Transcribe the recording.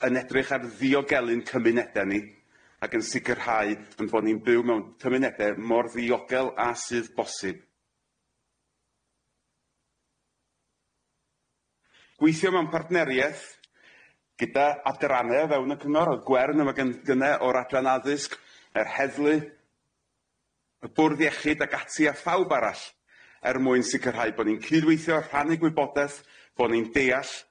yn edrych ar ddiogelyn cymunede ni ac yn sicirhau ein bo' ni'n byw mewn cymunede mor ddiogel a sydd bosib. Gweithio mewn partnerieth gyda adrane o fewn y cyngor o'dd Gwern yma gyn- gyne o'r adran addysg yr heddlu y bwrdd iechyd ag ati a phawb arall er mwyn sicirhau bo ni'n cydweithio rhannu gwybodaeth bo ni'n deal'